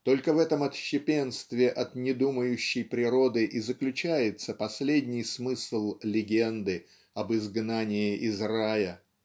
только в этом отщепенстве от недумающей природы и заключается последний смысл легенды об изгнании из рая.